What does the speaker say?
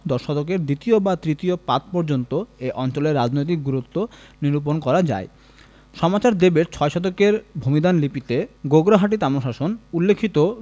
দশ শতকের দ্বিতীয় বা তৃতীয় পাদ পর্যন্ত এ অঞ্চলের রাজনৈতিক গুরুত্ব নিরূপন করা যায় সমাচার দেবের ছয় শতকের ভূমিদান লিপিতে গোগরাহাটি তাম্রশাসন উলেখিত